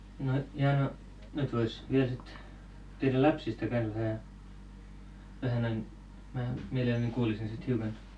no jaa no nyt voisi vielä sitten teidän lapsista kanssa vähän vähän noin minä mielelläni kuulisin sitten hiukan